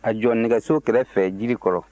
a jɔ nɛgɛso kɛrɛ fɛ jiri kɔrɔ